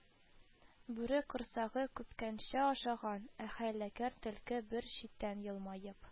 Бүре корсагы күпкәнче ашаган, ә хәйләкәр Төлке бер читтән елмаеп